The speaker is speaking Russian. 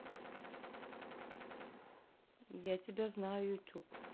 я тебя знаю youtube